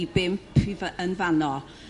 i bump i fy- yn fano.